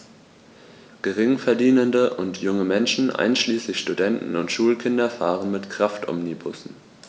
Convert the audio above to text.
Geringverdienende und junge Menschen, einschließlich Studenten und Schulkinder, fahren mit Kraftomnibussen.